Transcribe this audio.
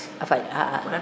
a fañ xa a